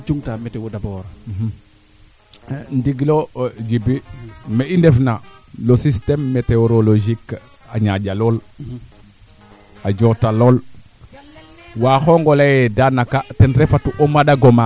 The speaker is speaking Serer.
yaqane fo gooñ laa o xiidum te ɓalik ɓe ndok bee ndok we andona teene ŋaq ee yeene de muñna bo a tembake simid de soogo ŋaq kee moƴna may na araake den a laŋa yuuru